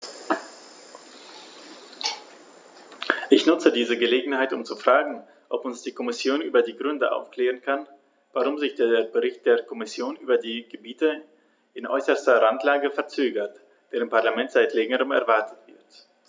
Ich nutze diese Gelegenheit, um zu fragen, ob uns die Kommission über die Gründe aufklären kann, warum sich der Bericht der Kommission über die Gebiete in äußerster Randlage verzögert, der im Parlament seit längerem erwartet wird.